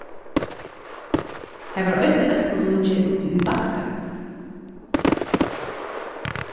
har var eisini øskudungi úti í bakka